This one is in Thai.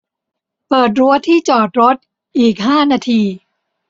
เปิดรั้วที่จอดรถอีกห้านาที